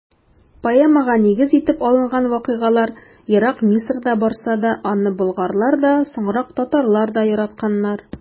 Поэмага нигез итеп алынган вакыйгалар ерак Мисырда барса да, аны болгарлар да, соңрак татарлар да яратканнар.